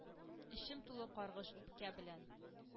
Эчем тулы каргыш, үпкә белән